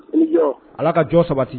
Ala ka jɔ sabati